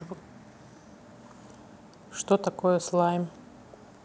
что такое слайм